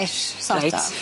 Ish sort of reit.